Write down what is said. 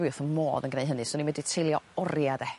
dwi wrth 'ym modd yn gneu' hynny swn i medru treulio oria 'de.